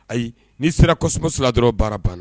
Ayi n'i sera kɔsɔ su dɔrɔn baara banna